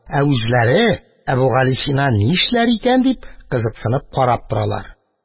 Ә үзләре, әбүгалисина нишләр икән дип, кызыксынып карап торалар.